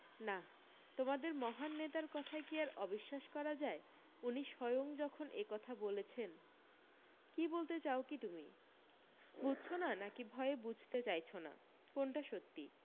নাহ তোমাদের মহান নেতার কথায় কী আর অবিশ্বাস করা যায় উনি স্বয়ং যখন একথা বলেছেন কী বলতে চাও কী তুমি বুঝছ না নাকি ভয়ে বুঝতে চাইছ না কোনটা সত্যি